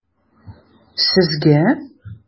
Сезгә?